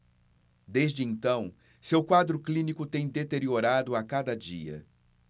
desde então seu quadro clínico tem deteriorado a cada dia